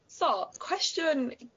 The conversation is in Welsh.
So cwestiwn